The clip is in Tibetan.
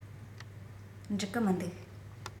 འགྲིག གི མི འདུག